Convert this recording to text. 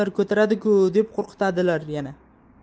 odamlar ko'taradiku deb qo'rqitadilar yana